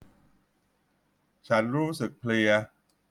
ฉันรู้สึกเพลีย